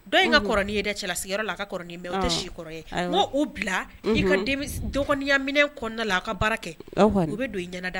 Dɔw in ka kɔrɔnin ye cɛlala sigin la a ka kɔrɔn bɛ tɛ si kɔrɔ o bila i ka dɔgɔninyamin kɔn la a ka baara kɛ u bɛ don i ɲ da